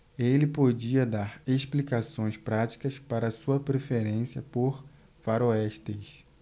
ele podia dar explicações práticas para sua preferência por faroestes